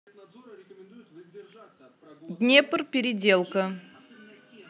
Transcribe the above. днепр переделка